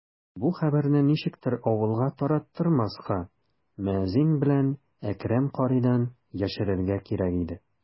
Бу хәбәрне ничектер авылга тараттырмаска, мәзин белән Әкрәм каридан яшерергә кирәк иде.